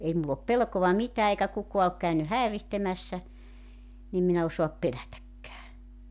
ei minulla ole pelkoa mitään eikä kukaan ole - häiritsemässä niin minä en osaa pelätäkään